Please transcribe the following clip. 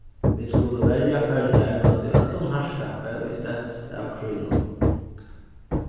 vit skulu verja føroyar móti øllum harðskapi ið stendst av krígnum